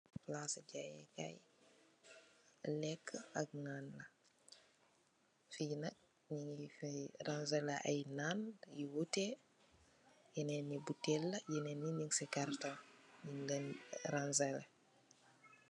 Palas si jayeekay, lekk ak naan, fii nak nyun faay, ransale ay naan yu wuute, nyenen yi butel la, nyenen yi nyun si karton, nyun len ransale.